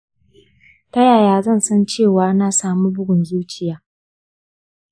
ta yaya zan san cewa na samu bugun zuciya?